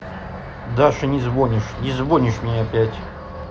даша не звонишь не звонишь мне опять